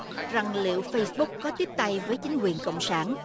rằng liệu phây búc có tiếp tay với chính quyền cộng sản